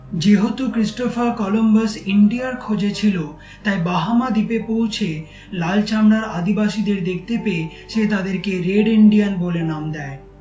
যেহেতু Christopher Columbus ইন্ডিয়ার খোঁজে ছিল তাই বাহামা দ্বীপে পৌঁছে লাল চামড়ার আদিবাসীদের দেখতে পেয়ে সে তাদেরকে রেড ইন্ডিয়ান বলে নাম দেয়